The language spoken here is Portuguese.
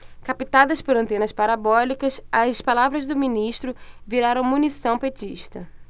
captadas por antenas parabólicas as palavras do ministro viraram munição petista